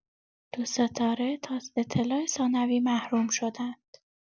دو ستاره تا اطلاع ثانوی محروم شدند.